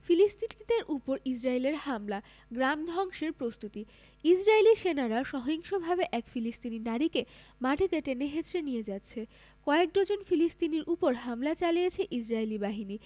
ফিলিস্তিনিদের ওপর ইসরাইলের হামলা গ্রাম ধ্বংসের প্রস্তুতি ইসরাইলী সেনারা সহিংসভাবে এক ফিলিস্তিনি নারীকে মাটিতে টেনে হেঁচড়ে নিয়ে যাচ্ছে কয়েক ডজন ফিলিস্তিনির ওপর হামলা চালিয়েছে ইসরাইলি বাহিনী